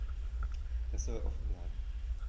Das soll offen bleiben.